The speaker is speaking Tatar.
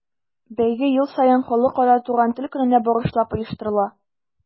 Бәйге ел саен Халыкара туган тел көненә багышлап оештырыла.